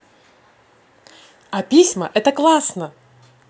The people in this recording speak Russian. а письма это классно